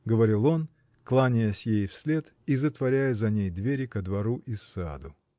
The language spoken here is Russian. — говорил он, кланяясь ей вслед и затворяя за ней двери ко двору и саду.